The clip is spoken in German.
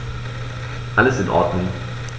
Alles in Ordnung.